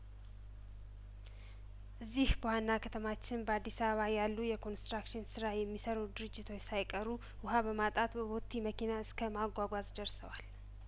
እዚህ በዋና ከተማችን በአዲስ አባ ያሉ የኮንስትራክሽን ስራ የሚሰሩ ድርጅቶች ሳይቀሩ ውሀ በማጣት በቦቲ መኪና እስከማጓጓዝ ደርሰዋል